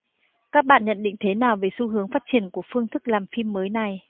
các bạn nhận định thế nào về xu hướng phát triển của phương thức làm phim mới này